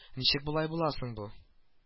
Ничек болай була соң бу